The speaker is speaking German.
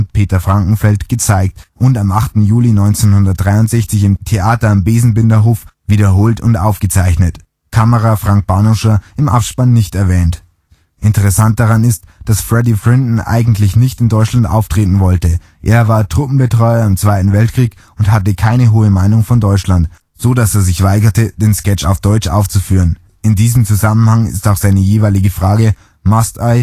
Peter Frankenfeld gezeigt und am 8. Juli 1963 im Theater am Besenbinderhof vor Publikum wiederholt und aufgezeichnet (Kamera: Frank Banuscher, im Abspann nicht erwähnt). Interessant daran ist, dass Freddie Frinton eigentlich nicht in Deutschland auftreten wollte. Er war Truppenbetreuer im Zweiten Weltkrieg und hatte keine hohe Meinung von Deutschland, so dass er sich weigerte, den Sketch auf Deutsch aufzuführen. In diesem Zusammenhang ist auch seine jeweilige Frage “Must I?”